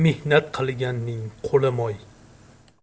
mehnat qilganning qo'li moy